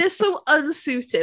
They're so unsuited.